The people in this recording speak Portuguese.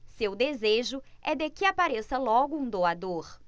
seu desejo é de que apareça logo um doador